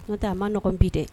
No tɛ a man nɔgɔn bi dɛ